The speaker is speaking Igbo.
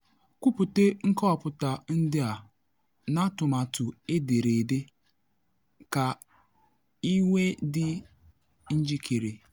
Kwupute nkọwapụta ndị a n’atụmatụ edere ede ka ị nwee dị njikere.